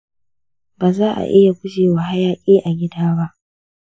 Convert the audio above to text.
ba za'a iya gujewa hayaƙi a gida ba.